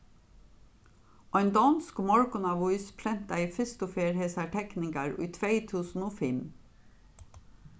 ein donsk morgunavís prentaði fyrstu ferð hesar tekningar í tvey túsund og fimm